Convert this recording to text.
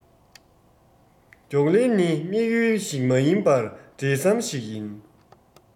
རྒྱུགས ལེན ནི དམིགས ཡུལ ཞིག མ ཡིན པར འབྲེལ ཟམ ཞིག ཡིན